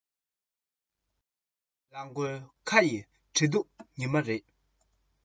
ལ མགོའི ཁ ཡི ཁྲི གདུགས ཉི མ འདྲ